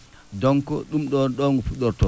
donc ɗum ɗon ɗon ngu fuɗɗortoo